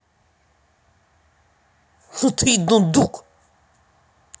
ну ты и дундук